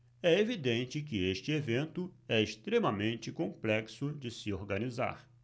é evidente que este evento é extremamente complexo de se organizar